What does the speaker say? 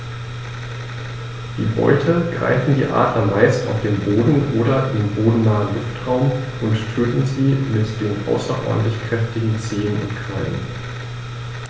Die Beute greifen die Adler meist auf dem Boden oder im bodennahen Luftraum und töten sie mit den außerordentlich kräftigen Zehen und Krallen.